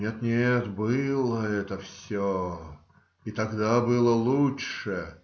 Нет, нет, было это все, и тогда было лучше.